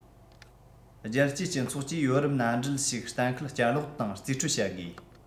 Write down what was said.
རྒྱལ སྤྱིའི སྤྱི ཚོགས ཀྱིས ཡོ རོབ མནའ འབྲེལ ཞིག གཏན འཁེལ བསྐྱར ལོག དང རྩིས སྤྲོད བྱེད དགོས